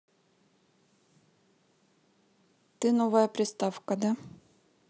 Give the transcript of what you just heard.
ты новая приставка да